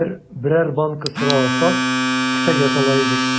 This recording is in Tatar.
Әгәр берәр банка сыра алсак, кесәгә сала идек.